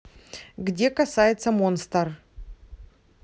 где касается монстар